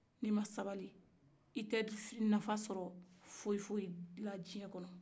n'i ma sabali i tɛ nafa sɔrɔ foyi-foyi la diɲɛ kɔnɔ